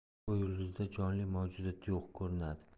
bu yulduzda jonli mavjudot yo'q ko'rinadi